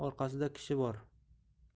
uy orqasida kishi bor